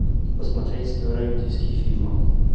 посмотреть старые индийские фильмы